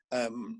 yym